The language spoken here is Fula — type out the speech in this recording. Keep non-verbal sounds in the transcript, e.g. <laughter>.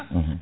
<hesitation> <hesitation>